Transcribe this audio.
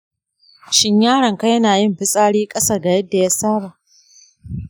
shin yaronka yana yin fitsari ƙasa da yadda ya saba?